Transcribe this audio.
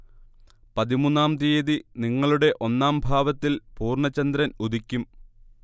പതിമൂന്നാം തീയതി നിങ്ങളുടെ ഒന്നാം ഭാവത്തിൽ പൂർണ ചന്ദ്രൻ ഉദിക്കും